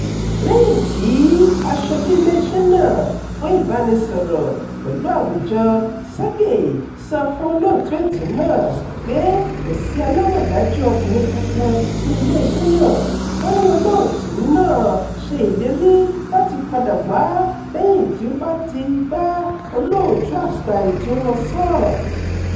Lẹ́yìn tí aṣojú iléeṣẹ́ náà fún ìbánisọ̀rọ̀ pẹ̀lú àwùjọ, Sergey sọ fún olóòtú ètò náà pé kò sí alámọ̀dájú ọkùnrin kankan ní iléeṣẹ́ naa, ó ní olóòtú ètò náà ṣe ìlérí láti padà wá lẹ́yìn tí ó bá ti bá olóòtú àgbà ètòo wọn sọ ọ́.